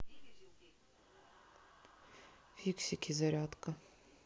фиксики зарядка